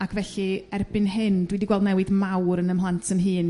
ac felly erbyn hyn dw i 'di gweld newid mawr yn ym mhlant yn hŷn